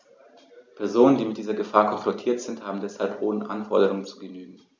Personen, die mit dieser Gefahr konfrontiert sind, haben deshalb hohen Anforderungen zu genügen.